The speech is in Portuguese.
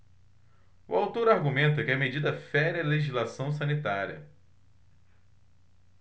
o autor argumenta que a medida fere a legislação sanitária